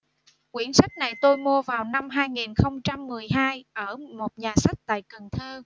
quyển sách này tôi mua vào năm hai nghìn không trăm mười hai ở một nhà sách tại cần thơ